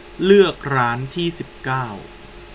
เลือกร้านที่สิบเก้า